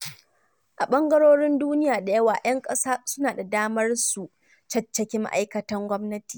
A ɓangarorin duniya da yawa, 'yan ƙasa suna da damar su caccaki ma'aikatan gwamnati.